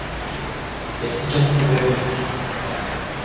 я сейчас на тебя обижусь